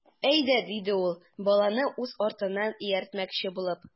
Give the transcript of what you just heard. Әйдә,— диде ул, баланы үз артыннан ияртмөкче булып.